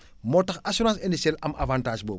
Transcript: moo tax assurance indicelle am avantage boobu